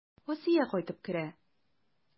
Асия кайтып керә.